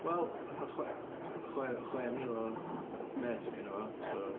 Wel fatha chw- chwe chwe mil o mets odd gynno fo, so...